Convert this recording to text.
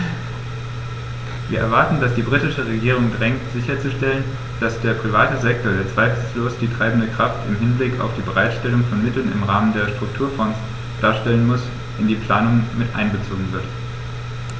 Wir erwarten, dass sie die britische Regierung drängt sicherzustellen, dass der private Sektor, der zweifellos die treibende Kraft im Hinblick auf die Bereitstellung von Mitteln im Rahmen der Strukturfonds darstellen muss, in die Planung einbezogen wird.